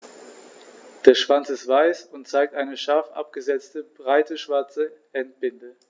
Der Schwanz ist weiß und zeigt eine scharf abgesetzte, breite schwarze Endbinde.